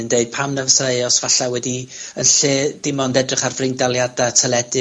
yn deud pam na' fysai Eos falla' wedi, yn lle dim ond edrych ar freindaliada teledu